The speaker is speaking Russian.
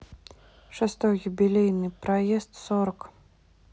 шестой юбилейный проезд сорок